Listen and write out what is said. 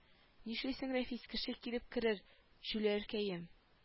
Нишлисең рәфис кеше килеп керер җүләркәем